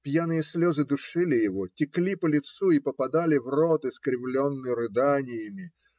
Пьяные слезы душили его, текли по лицу и попадали в рот, искривленный рыданиями.